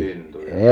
lintuja